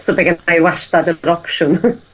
So by' gynnai wastat yr opsiwn .